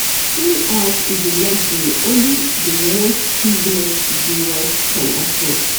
Tuning out is a luxury only the most privileged viewers can afford.